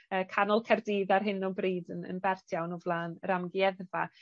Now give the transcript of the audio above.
yy canol Caerdydd ar hyn o bryd yn yn bert iawn o flan yr amgueddfa.